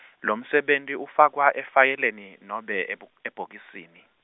lomsebenti ufakwa efayeleni, nobe, ebo- ebhokisini.